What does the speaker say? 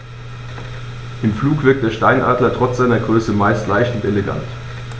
Im Flug wirkt der Steinadler trotz seiner Größe meist sehr leicht und elegant.